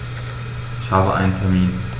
Ich habe einen Termin.